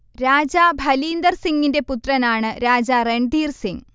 രാജാ ഭലീന്ദർ സിങ്ങിന്റെ പുത്രനാണ് രാജാ റൺധീർ സിങ്